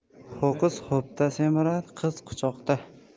ho'kiz ho'pda semirar qiz quchoqda